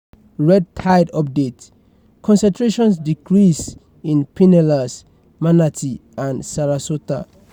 Red Tide Update: Concentrations decrease in Pinellas, Manatee and Sarasota